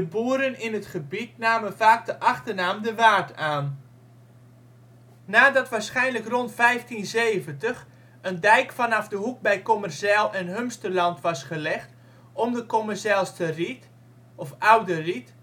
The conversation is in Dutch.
boeren in het gebied namen vaak de achternaam ' De Waard ' aan. Nadat waarschijnlijk rond 1570 een dijk vanaf de hoek bij Kommerzijl en Humsterland was gelegd om de Kommerzijlsterriet (Oude Riet